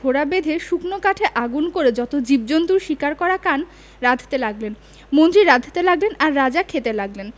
ঘোড়া বেঁধে শুকনো কাঠে আগুন করে যত জীবজন্তুর শিকার করা কান রাঁধতে লাগলেন মন্ত্রী রাঁধতে লাগলেন আর রাজা খেতে লাগলেন